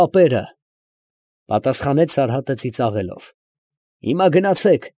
Պապերը, ֊ պատասխանեց Սարհատը ծիծաղելով։ ֊ Հիմա գնացե՛ք։